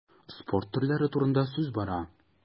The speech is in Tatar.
Спорт төрләре турында сүз бара.